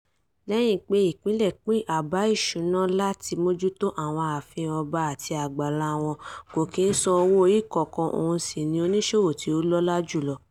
@charquaoia: Lẹ́yìn pé ìpínlẹ̀ pín àbá ìsúná láti mójútó àwọn ààfin ọba àti àgbàlá wọn, kò kìí san owó orí kankan, òun sì ni oníṣòwò tí ó lọ́lá jùlọ.